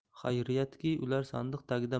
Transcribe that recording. xayriyatki ular sandiq tagida